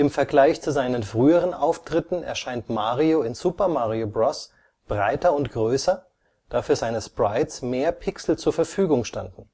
Vergleich zu seinen früheren Auftritten erscheint Mario in Super Mario Bros. breiter und größer, da für seine Sprites mehr Pixel zur Verfügung standen